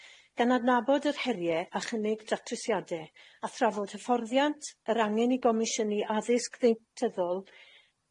gan adnabod yr herie a chynnig datrysiade, a thrafod hyfforddiant, yr angen i gomisiynu addysg ddeintyddol,